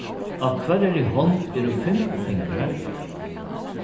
á hvørjari hond eru fimm fingrar